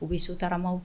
U bɛ sotama